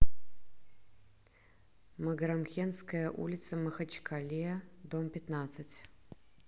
магарамкентская улица махачкале дом пятнадцать